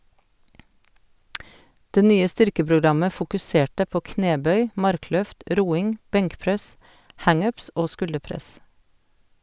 Det nye styrkeprogrammet fokuserte på knebøy, markløft, roing, benkpress, hang ups og skulderpress.